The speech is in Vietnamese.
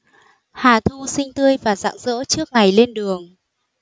hà thu xinh tươi và rạng rỡ trước ngày lên đường